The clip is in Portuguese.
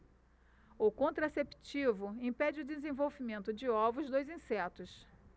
o contraceptivo impede o desenvolvimento de ovos dos insetos